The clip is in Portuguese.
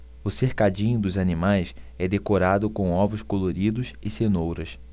o cercadinho dos animais é decorado com ovos coloridos e cenouras